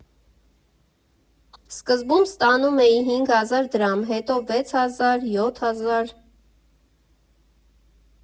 «Սկզբում ստանում էի հինգ հազար դրամ, հետո վեց հազար, յոթ հազար…